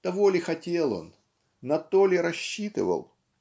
Того ли хотел он, на то ли рассчитывал?